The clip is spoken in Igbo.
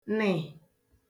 nị̀